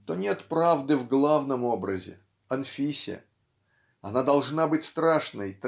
то нет правды в главном образе Анфисе. Она должна быть страшной